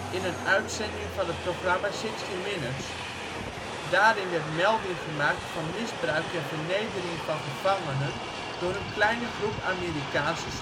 in een uitzending van het programma 60 Minutes. Daarin werd melding gemaakt van misbruik en vernedering van gevangenen door een kleine groep Amerikaanse